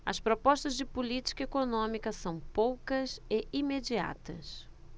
as propostas de política econômica são poucas e imediatas